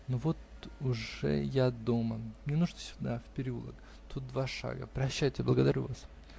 но вот уже я дома; мне нужно сюда, в переулок; тут два шага. Прощайте, благодарю вас.